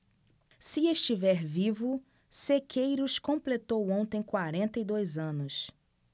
se estiver vivo sequeiros completou ontem quarenta e dois anos